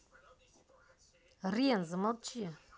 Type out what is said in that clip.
рен замолчи